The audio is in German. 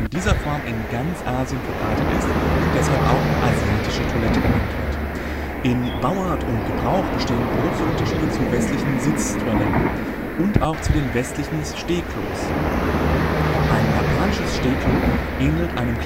dieser Form in ganz Asien verbreitet ist und deshalb auch „ asiatische Toilette “genannt wird. In Bauart und Gebrauch bestehen große Unterschiede zu westlichen (Sitz -) Toiletten und auch zu westlichen Stehklos. Ein japanisches Stehklo ähnelt einem